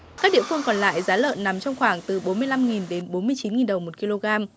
các địa phương còn lại giá lợn nằm trong khoảng từ bốn mươi lăm nghìn đến bốn mươi chín nghìn đồng một ki lô gam